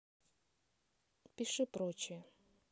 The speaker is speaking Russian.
пиши прочее